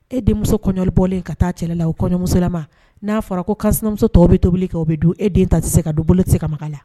E denmuso kɔɲɔbɔlen ka taa cɛla la, o kɔɲɔmusolama, n'a fɔra ko kansinamuso tɔw bɛ tobili kɛ o bɛ dun e den ta tɛ se ka dun, bolo tɛ se ka mag'a la.